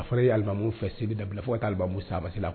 A fɔra yelimamu fɛ si da bila fo ka taa alimu sanba la